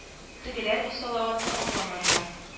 Тегеләр бу салаватны аңламадылар